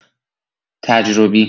تجربی